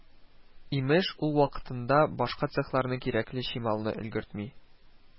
Имеш, ул вакытында башка цехларга кирәкле чималны өлгертми